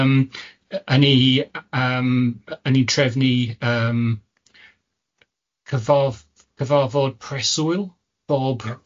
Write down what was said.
Yym y- y'n ni yym y- y'n ni trefnu yym cyfarf- cyfarfod preswyl bob r-